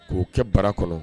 K'o kɛ baara kɔnɔ